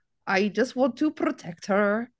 I just want to protect her.